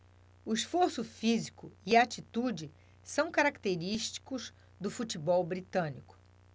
o esforço físico e a atitude são característicos do futebol britânico